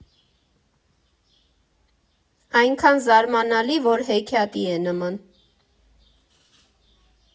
Այնքան զարմանալի, որ հեքիաթի է նման։